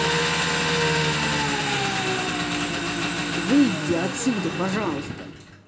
выйди отсюда пожалуйста